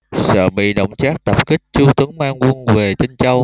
sợ bị đổng trác tập kích chu tuấn mang quân về tinh châu